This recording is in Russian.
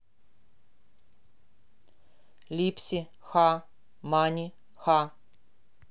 липси ха мани ха